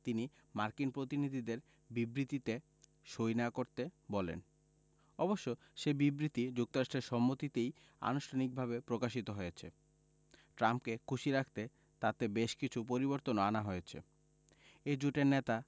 তিনি মার্কিন প্রতিনিধিদের বিবৃতিতে সই না করতে বলেন অবশ্য সে বিবৃতি যুক্তরাষ্ট্রের সম্মতিতেই আনুষ্ঠানিকভাবে প্রকাশিত হয়েছে ট্রাম্পকে খুশি রাখতে তাতে বেশ কিছু পরিবর্তনও আনা হয়েছে এই জোটের নেতা